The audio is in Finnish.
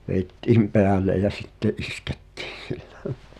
vedettiin päälle ja sitten iskettiin sillä